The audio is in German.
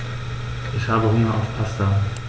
Ich habe Hunger auf Pasta.